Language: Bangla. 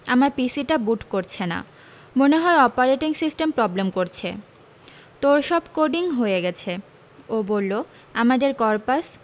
আমার পিসিটা বুট করছে না মনে হয় অপারেটিং সিস্টেম প্রবলেম করছে তোর সব কোডিং হয়ে গেছে ও বলল আমাদের কর্পাস